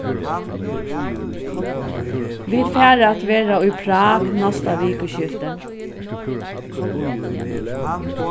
vit fara at vera í prag næsta vikuskifti